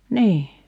niin